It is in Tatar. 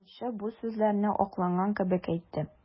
Юлчы бу сүзләрне акланган кебек әйтте.